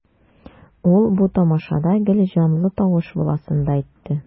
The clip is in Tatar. Ул бу тамашада гел җанлы тавыш буласын да әйтте.